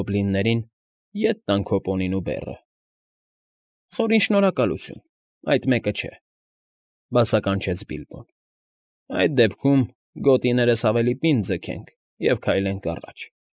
Գոբլիններին՝ ետ տան քո պոնին ու բեռը։ ֊ Խորին շնորհակալություն, այդ մեկը չէ,֊ բացականչեց Բիլբոն։ ֊ Այդ դեպքում գոտիներս ավելի պինդ ձգենք և քայլենք առաջ։